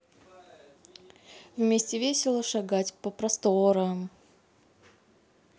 вместе весело шагать по просторам